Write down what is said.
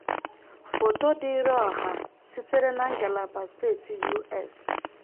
Foto Dịịrị Ọha sitere na Ngalaba Steeti US.